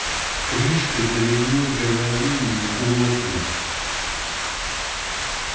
крышка заливной горловины не плотно